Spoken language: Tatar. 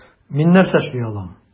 Мин нәрсә эшли алам?